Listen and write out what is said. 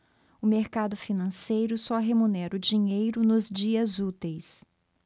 o mercado financeiro só remunera o dinheiro nos dias úteis